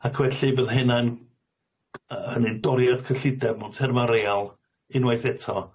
Ac felly bydd hynna'n y- hynny'n doriad cyllideb mewn terma reol unwaith eto.